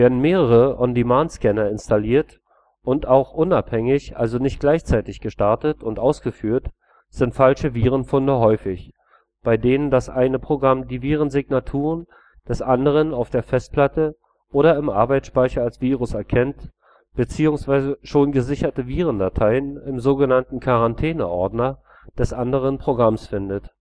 mehrere On-Demand-Scanner installiert und – auch unabhängig, also nicht gleichzeitig – gestartet und ausgeführt, sind falsche Virenfunde häufig, bei denen das eine Programm die Virensignaturen des anderen auf der Festplatte oder im Arbeitsspeicher als Virus erkennt bzw. schon gesicherte Virendateien im so genannten „ Quarantäne-Ordner “des anderen Programms findet